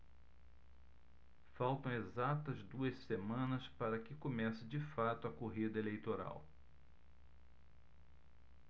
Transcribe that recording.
faltam exatas duas semanas para que comece de fato a corrida eleitoral